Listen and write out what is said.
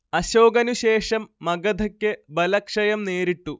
അശോകനുശേഷം മഗധയ്ക്ക് ബലക്ഷയം നേരിട്ടു